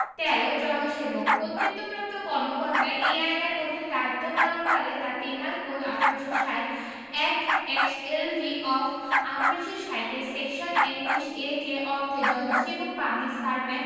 ১৩ জনসেবকঃ কর্তৃত্বপ্রাপ্ত কর্মকর্তা এই আইনের অধীন দায়িত্ব পালনকালে the penal code ১৮৬০ act XLV of ১৮৬০ এর সেকশন ২১ এ যে অর্থে জনসেবক পাবলিক সার্ভেন্ট